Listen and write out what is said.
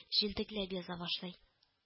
Җентекләп яза башлый